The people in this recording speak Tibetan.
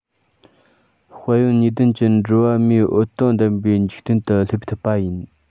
དཔལ ཡོན གཉིས ལྡན གྱི འགྲོ བ མིའི འོད སྟོང ལྡན པའི འཇིག རྟེན དུ སླེབས ཐུབ པ ཡིན